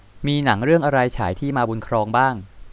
มีหนังเรื่องอะไรฉายที่มาบุญครองบ้าง